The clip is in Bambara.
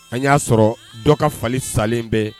An y'a sɔrɔ dɔ ka fali salen bɛ!